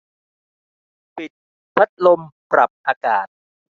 ปิดพัดลมปรับอากาศ